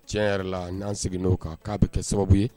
Tiɲɛ yɛrɛ la n'an seginna n'o kan k'a bɛ kɛ sababu ye